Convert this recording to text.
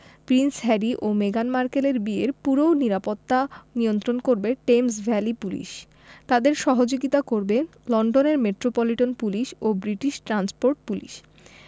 Prince Harry ও মেগান মার্কেলের বিয়ের পুরো নিরাপত্তা নিয়ন্ত্রণ করবে টেমস ভ্যালি পুলিশ তাঁদের সহযোগিতা করবে লন্ডনের মেট্রোপলিটন পুলিশ ও ব্রিটিশ ট্রান্সপোর্ট পুলিশ